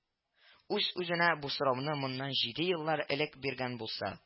Үз-үзенә бу сорауны моннан җиде еллар элек биргән булса